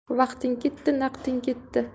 vaqting ketdi naqding ketdi